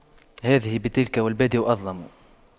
هذه بتلك والبادئ أظلم